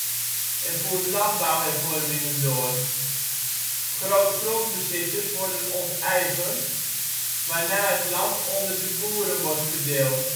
landbouwhervormingen door. Grootgrondbezitters worden onteigend, waarna het land onder de boeren wordt verdeeld